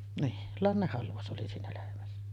niin lannehalvaus oli siinä lehmässä